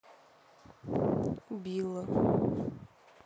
убило